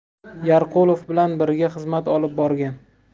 yarqulov bilan birga xizmat olib borgan